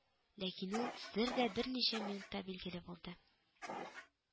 Ләкин ул сер дә берничә минуттан билгеле булды